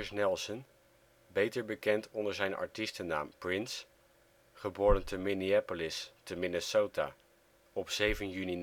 Nelson, beter bekend onder zijn artiestennaam Prince (Minneapolis, Minnesota, 7 juni